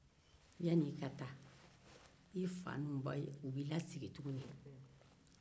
yanni i ka taa i faw ni baw b'i lasigi tuguni